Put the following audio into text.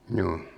juu